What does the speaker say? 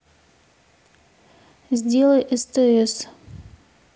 сделай стс